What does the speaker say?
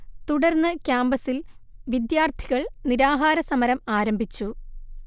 തുടർന്ന് കാമ്പസ്സിൽ വിദ്യാർത്ഥികൾ നിരാഹാരസമരം ആരംഭിച്ചു